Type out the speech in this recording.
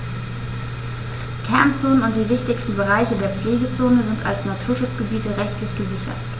Kernzonen und die wichtigsten Bereiche der Pflegezone sind als Naturschutzgebiete rechtlich gesichert.